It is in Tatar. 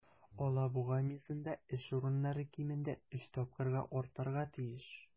"алабуга" мизында эш урыннары кимендә өч тапкырга артарга тиеш.